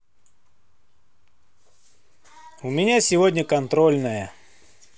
у меня сегодня контрольное